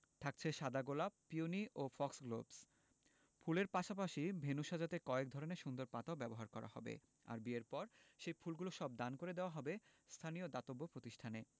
থাকছে সাদা গোলাপ পিওনি ও ফক্সগ্লোভস ফুলের পাশাপাশি ভেন্যু সাজাতে কয়েক ধরনের সুন্দর পাতাও ব্যবহার করা হবে আর বিয়ের পর সেই ফুলগুলো সব দান করে দেওয়া হবে স্থানীয় দাতব্য প্রতিষ্ঠানে